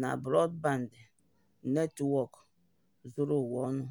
na brọdband netwọk zuru ụwa ọnụ.